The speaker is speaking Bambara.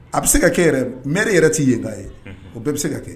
A bɛ se ka kɛ yɛrɛ mɛri yɛrɛ tɛ yenka ye o bɛɛ bɛ se ka kɛ